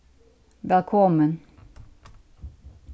vælkomin